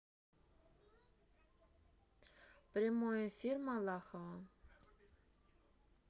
прямой эфир малахова